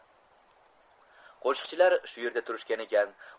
qo'shiqchilar shu yerda turishgan ekan